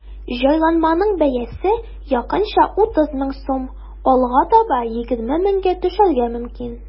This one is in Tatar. Җайланманың бәясе якынча 30 мең сум, алга таба 20 меңгә төшәргә мөмкин.